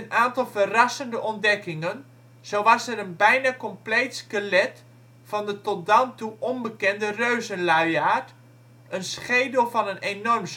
aantal verrassende ontdekkingen, zo was er een bijna compleet skelet van de tot dan toe onbekende reuzenluiaard Scelidotherium, een schedel van een enorm zoogdier